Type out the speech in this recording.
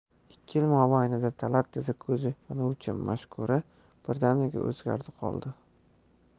ikki yil mobaynida talat desa ko'zi yonuvchi mashkura birdaniga o'zgardi qoldi